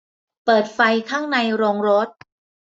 เปิดไฟข้างในโรงรถ